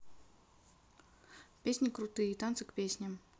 песни крутые и танцы к песням